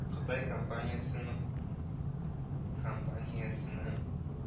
Кытай компаниясенең